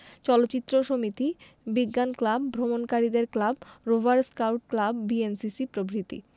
চলচ্চিত্র সমিতি বিজ্ঞান ক্লাব ভ্রমণকারীদের club rover scout club BNCC প্রভৃতি